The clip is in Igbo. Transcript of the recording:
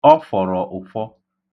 Ọ fọrọ ụfọ.